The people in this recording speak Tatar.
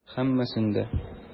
Һәммәсен дә.